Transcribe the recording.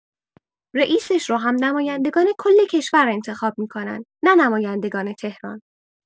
رئیسش رو هم نمایندگان کل کشور انتخاب می‌کنن نه نمایندگان تهران!